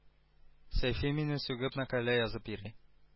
Сәйфи мине сүгеп мәкалә язып йөри